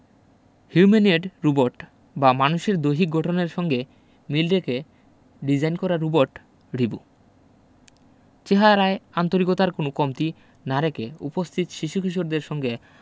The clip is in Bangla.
হিউম্যানোয়েড রোবট বা মানুষের দৈহিক গঠনের সঙ্গে মিল রেখে ডিজাইন করা রোবট রিবো চেহারায় আন্তরিকতার কোনো কমতি না রেখে উপস্থিত শিশুকিশোরদের সঙ্গে